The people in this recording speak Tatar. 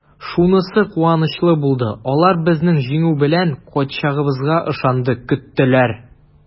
Шунысы куанычлы булды: алар безнең җиңү белән кайтачагыбызга ышанды, көттеләр!